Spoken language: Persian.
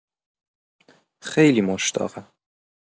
خیلی مشتاقم